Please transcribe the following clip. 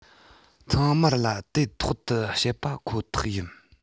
ཚང མར ལ དུས ཐོག ཏུ བཤད པ ཁོ ཐག ཡིན